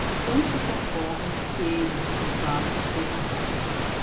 não se conformam que eles os fatos sejam fatos